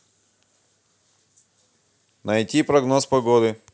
найти прогноз погоды